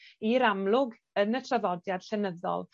i'r amlwg yn y traddodiad llenyddol